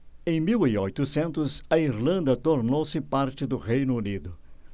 em mil e oitocentos a irlanda tornou-se parte do reino unido